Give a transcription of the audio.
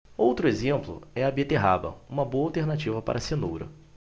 outro exemplo é a beterraba uma boa alternativa para a cenoura